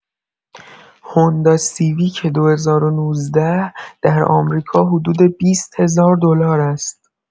هندا سیویک ۲۰۱۹ در آمریکا حدود ۲۰ هزار دلار است.